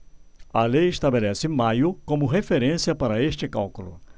a lei estabelece maio como referência para este cálculo